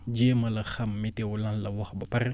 jéema a la xam météo lan la wax ba pare